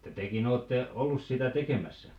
että tekin olette ollut sitä tekemässä